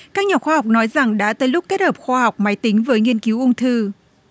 các nhà khoa học nói rằng đã tới lúc kết hợp khoa học máy tính với nghiên cứu ung thư